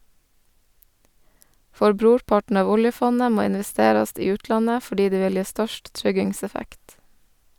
For brorparten av oljefondet må investerast i utlandet fordi det vil gje størst tryggingseffekt.